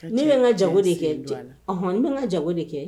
Ne bɛna n ka jago de kɛ a hɔn ne bɛ n ka jago de kɛ